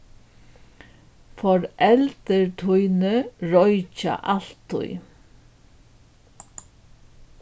foreldur tíni roykja altíð